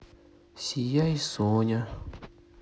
сияй соня